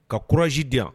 Ka kurauranji diya